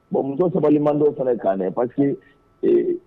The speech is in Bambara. Bon muso sabali mandi o fɛnɛ kan dɛ parce que ee